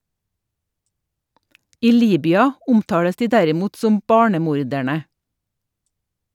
I Libya omtales de derimot som «barnemorderne».